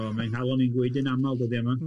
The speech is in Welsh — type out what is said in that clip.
O, mae'n nghalon i'n gwaedu'n aml dyddie yma.